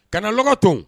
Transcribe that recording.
Kana lɔgɔ ton!